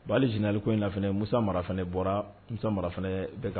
Bon hali général ko na Musa Mara fana bɔra, Masa Mara fana bɛ ka